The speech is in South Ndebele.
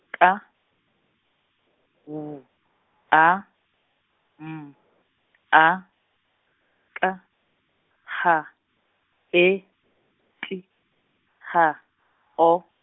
K, W, A, M, A, K, H, E, T, H, O.